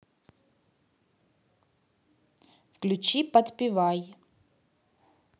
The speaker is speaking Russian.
включи подпевай